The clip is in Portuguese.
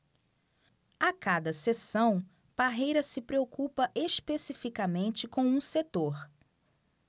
a cada sessão parreira se preocupa especificamente com um setor